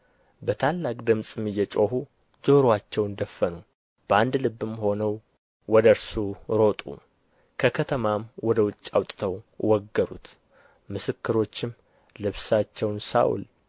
በታላቅ ድምፅም እየጮኹ ጆሮአቸውን ደፈኑ በአንድ ልብ ሆነውም ወደ እርሱ ሮጡ ከከተማም ወደ ውጭ አውጥተው ወገሩት ምስክሮችም ልብሳቸውን ሳውል